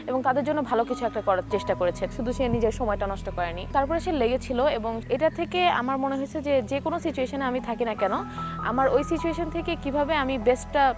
এবং তাদের জন্য ভালো কিছু একটা করার চেষ্টা করেছে নিজের সময়টা নষ্ট করেনি তারপর এসে লেগেছিল এবং এটা থেকে আমার মনে হয়েছে যে কোন সিচুয়েশনে আমি থাকি না কেন আমার ওই সিচুয়েশনথেকে কিভাবে আমি আমার বেস্ট টা